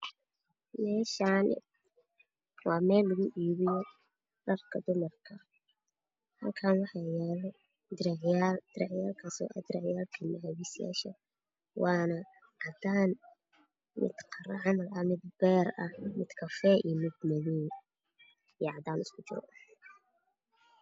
Meeshaan waxaa lugu iibiyaa dharka dumarka waxaa yaalo diracyaal cadaan, beer, kafay iyo madow ah.